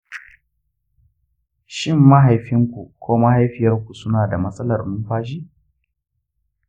shin mahaifinku ko mahaifiyarku suna da matsalar numfashi?